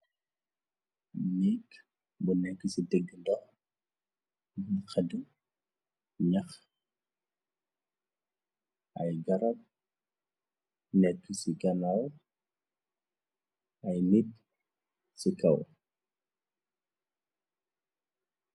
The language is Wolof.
Nikk bu nekk ci tégg ndox, xedu nax ay garab nekk ci kanaw, ay nikk ci kaw.